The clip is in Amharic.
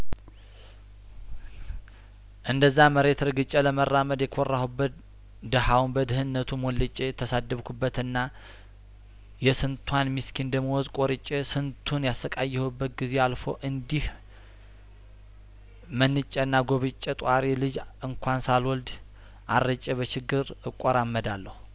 እንደዛ መሬት ረግጬ ለመራመድ የኮራሁበት ደሀውን በድህነቱ ሞልጬ የተሳድብኩበትና የስንቷን ምስኪን ደሞዝ ቆርጬ ስንቱን ያሰቃየሁበት ጊዜ አልፎ እንዲህ መንጬና ጐብጬ ጧሪ ልጅ እንኳን ሳልወልድ አርጬ በችግር እቆራመደልሁ